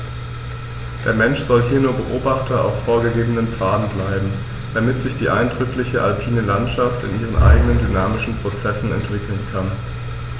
Der Mensch soll hier nur Beobachter auf vorgegebenen Pfaden bleiben, damit sich die eindrückliche alpine Landschaft in ihren eigenen dynamischen Prozessen entwickeln kann.